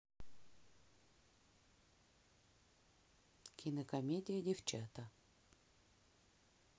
кинокомедия девчата